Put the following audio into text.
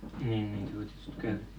niin niin voi tietysti käydä